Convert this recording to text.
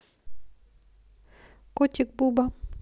котик буба